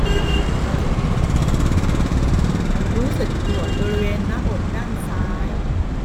รู้สึกปวดบริเวณหน้าอกด้านซ้าย